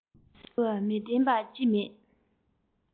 ཟེར བ མི བདེན པ ཅི མེད